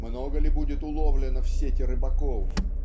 Много ли будет уловлено в сети рыбаков